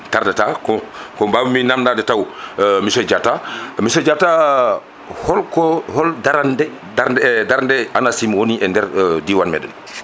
tardata ko ko mbawmi namdade taw monsieur Diatta monsieur Diatta holko hol darande daarde daarde ANACIM woni e nder diwan meɗen